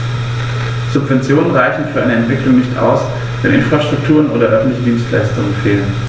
Subventionen reichen für eine Entwicklung nicht aus, wenn Infrastrukturen oder öffentliche Dienstleistungen fehlen.